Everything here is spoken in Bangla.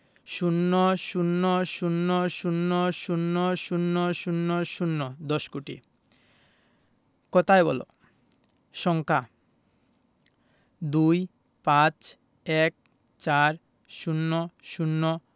০০০০০০০০ দশ কোটি কথায় বলঃ সংখ্যাঃ ২৫ ১৪ ০০